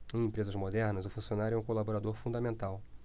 em empresas modernas o funcionário é um colaborador fundamental